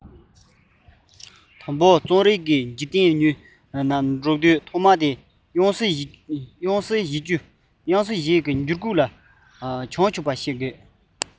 ཁྱོད ཉིད རྩོམ རིག གི འཇིག རྟེན ཉུལ བའི ཐོག མར དབྱངས གསལ སོ བཞིའི འགྱུར ཁུག ལ བྱང ཆུབ པ ནས